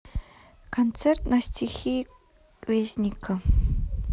концерт на стихи резника